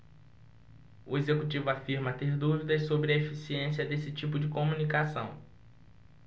o executivo afirma ter dúvidas sobre a eficiência desse tipo de comunicação